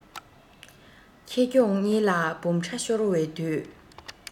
ཁེ གྱོང གཉིས ལ སྦོམ ཕྲ ཤོར བའི དུས